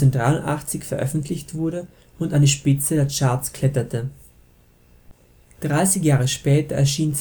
1983 veröffentlichte wurde und an die Spitze der Charts kletterte. 30 Jahre später erschien